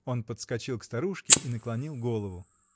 Он подскочил к старушке и наклонил голову.